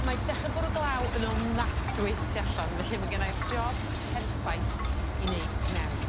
mae 'di dechre bwrw glaw yn ofnadwy tu allan felly ma' gennai'r job perffaith i wneud tu mewn.